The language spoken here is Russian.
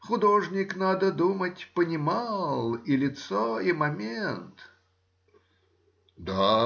художник, надо думать, понимал и лицо и момент. — Да